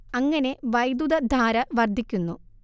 അങ്ങനെ വൈദ്യുതധാര വർദ്ധിക്കുന്നു